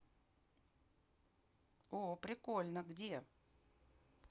о прикольно где